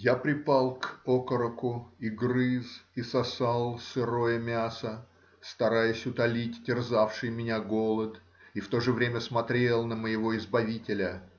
Я припал к окороку, и грыз и сосал сырое мясо, стараясь утолить терзавший меня голод, и в то же время смотрел на моего избавителя.